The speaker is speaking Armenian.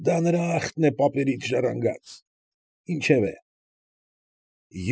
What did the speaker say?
Դա նրա ախտն է պապերից ժառանգած։ Ինչևէ։